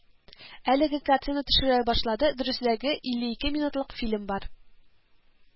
Әлеге картина төшерелә башлады, дөресрәге, илле ике минутлык фильм бар